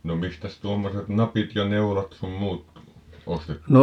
no mistäs tuommoiset napit ja neulat sun muut ostettiin